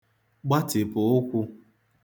gbatị̀pụ̀ ụkwụ̄